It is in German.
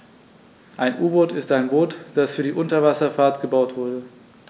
Ein U-Boot ist ein Boot, das für die Unterwasserfahrt gebaut wurde.